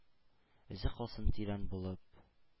Эзе калсын тирән булып,